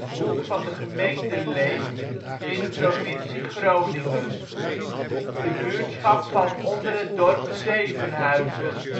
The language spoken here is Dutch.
van de gemeente Leek in de provincie Groningen. De buurtschap valt onder het dorp Zevenhuizen